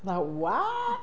Fatha what!